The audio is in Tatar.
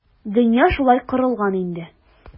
Дөнья шулай корылган инде.